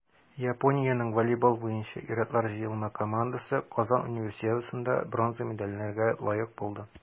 Япониянең волейбол буенча ир-атлар җыелма командасы Казан Универсиадасында бронза медальләргә лаек булды.